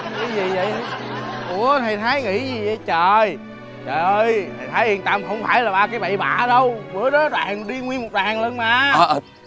nghĩ gì dậy ủa thì thái nghĩ gì dậy trời trời ơi thầy thái yên tâm không phải là ba cái bậy bạ đâu bữa đó đoàn đi nguyên một đoàn luôn mà